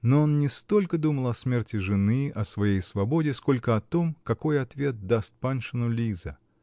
но он не столько думал о смерти жены, о своей свободе, сколько о том, какой ответ даст Паншину Лиза?